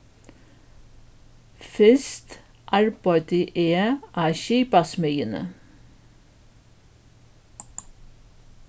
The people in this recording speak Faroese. fyrst arbeiddi eg á skipasmiðjuni